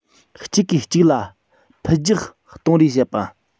གཅིག གིས གཅིག ལ འཕུལ རྒྱག གཏོང རེས བྱེད པ